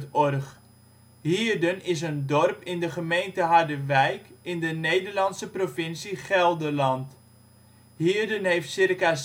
OL Hierden is een dorp in de gemeente Harderwijk, provincie Gelderland, Nederland. Hierden heeft circa